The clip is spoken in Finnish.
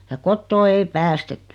ja kotoa ei päästetty